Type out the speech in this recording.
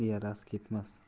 dil yarasi ketmas